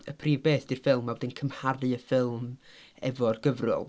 Y prif beth ydy'r ffilm a wedyn cymharu y ffilm efo'r gyfrol.